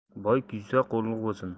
boy kiysa qulluq bo'lsin